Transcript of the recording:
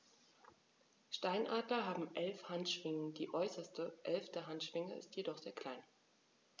Steinadler haben 11 Handschwingen, die äußerste (11.) Handschwinge ist jedoch sehr klein.